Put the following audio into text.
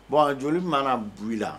Bɔn joli mana b la